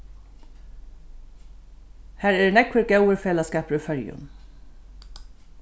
har eru nógvir góðir felagsskapir í føroyum